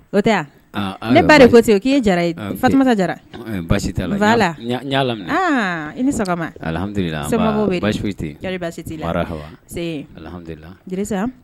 Kotɛ ne bate o k'i jara fa jara basi i ni